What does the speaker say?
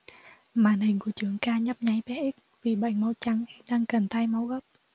màn hình của trưởng ca nhấp nháy bé x bị bệnh máu trắng hiện đang cần thay máu gấp